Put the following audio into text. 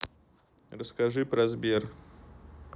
расскажи про сбер